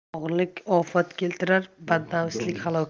olg'irlik ofat keltirar badnafslik halokat